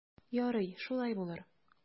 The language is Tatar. Ярый, шулай булыр.